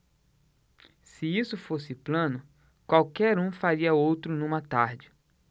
se isso fosse plano qualquer um faria outro numa tarde